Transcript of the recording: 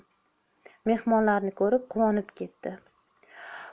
mehmonlarni ko'rib quvonib ketdi